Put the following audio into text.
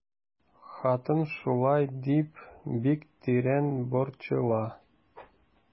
Хатын шулай дип бик тирән борчыла.